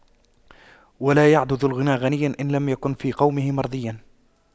ولا يعد ذو الغنى غنيا إن لم يكن في قومه مرضيا